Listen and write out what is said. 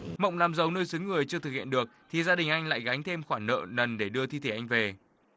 mộng làm giàu nơi xứ người chưa thực hiện được thì gia đình anh lại gánh thêm khoản nợ nần để đưa thi thể anh về